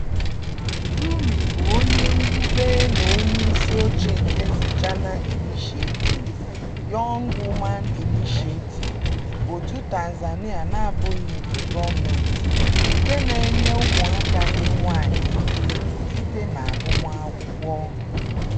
Gyumi bụ onye mwube na onyeisioche nke Msichana Initiative (Young Woman Initiative), òtù Tanzania na-abụghị nke gọọmentị nke na-enye ụmụ aka ndị nwaanyị ike site n'agụmakwụkwọ.